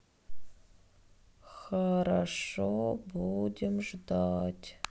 хорошо будем ждать